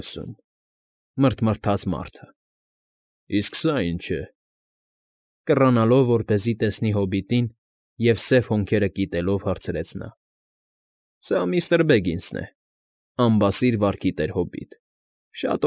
Լսում,֊ մռթմռթաց մարդը։֊ Իսկ սա ի՞նչ է,֊ կռանալով որպեսզի տեսնի հոբիտին, և սև հոնքերը կիտելով հարցրեց նա։ ֊ Սա միստր Բեգինսն է, անբասիր վարքի տեր հոբիտ, շատ։